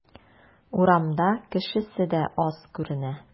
Урамда кешесе дә аз күренә.